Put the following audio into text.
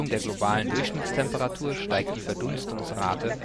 der globalen Durchschnittstemperatur steigt die Verdunstungsrate